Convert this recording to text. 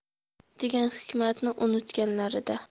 degan hikmatni unutganlarida